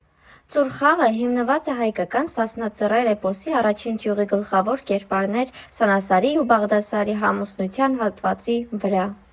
«Ծուռ խաղը» հիմնված է հայկական «Սասնա Ծռեր» էպոսի առաջին ճյուղի գլխավոր կերպարներ Սանասարի ու Բաղդասարի ամուսնության հատվածի վրա։